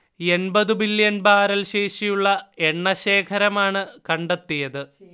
എൺപതു billion barrel ശേഷിയുള്ള എണ്ണശേഖരമാണ് കണ്ടെത്തിയത്